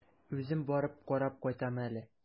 Үзем барып карап кайтам әле.